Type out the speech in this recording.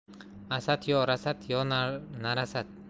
asad yo rasad yo narasad